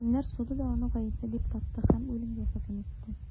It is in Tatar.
Хакимнәр суды да аны гаепле дип тапты һәм үлемгә хөкем итте.